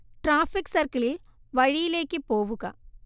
traffic സർക്കിളിൽ, വഴിയിലേക്ക് പോവുക